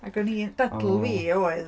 Ac o'n i... Oo... dadl fi oedd...